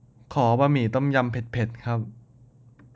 ขอบะหมี่ต้มยำเผ็ดเผ็ดครับ